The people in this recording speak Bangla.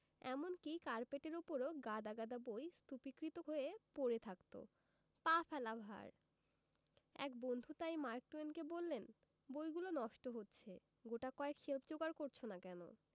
এমনকি কার্পেটের উপরও গাদা গাদা বই স্তূপীকৃত হয়ে পড়ে থাকত পা ফেলা ভার এক বন্ধু তাই মার্ক টুয়েনকে বললেন বইগুলো নষ্ট হচ্ছে গোটাকয়েক শেল্ফ যোগাড় করছ না কেন